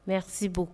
Mɛ sibon